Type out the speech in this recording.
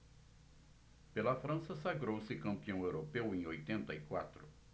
pela frança sagrou-se campeão europeu em oitenta e quatro